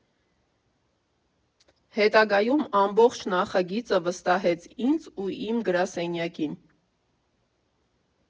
Հետագայում ամբողջ նախագիծը վստահվեց ինձ ու իմ գրասենյակին։